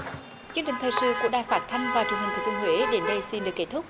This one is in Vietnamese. chương trình thời sự của đài phát thanh và truyền hình thừa thiên huế đến đây xin được kết thúc